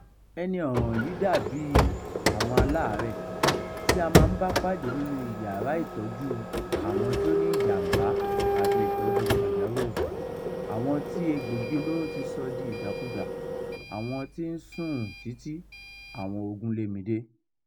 Ẹni ọ̀ràn yìí dà bíi àwọn aláàárẹ̀ tí a máa ń bá pàdé nínú ìyára ìtọ́jú àwọn tí ó ní ìjàmbá àti ìtọ́júu pàjàwìrì – àwọn tí egbògi olóró tí sọ di ìdàkudà, àwọn tí ó ń sun títì, àwọn ogún-lé-mi-dé.